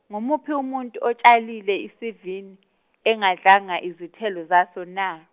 ngumuphi umuntu otshalile isivini, engadlanga izithelo zaso na?